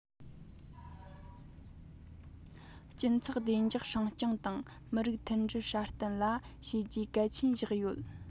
སྤྱི ཚོགས བདེ འཇགས སྲུང སྐྱོང དང མི རིགས མཐུན སྒྲིལ སྲ བརྟན ལ བྱས རྗེས གལ ཆེན བཞག ཡོད